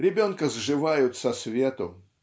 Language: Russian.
Ребенка сживают со свету.